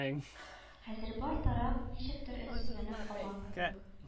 Хәзер бар тараф ничектер өнсезләнеп калган кебек